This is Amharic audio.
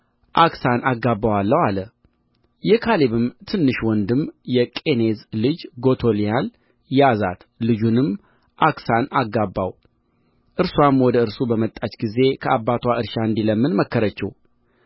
ዓክሳን አጋባው እርስዋም ወደ እርሱ በመጣች ጊዜ ከአባትዋ እርሻ እንዲለምን መከረችው